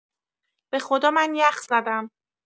بخدا من یخ زدم